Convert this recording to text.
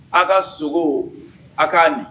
A ka sogo a' k'a nin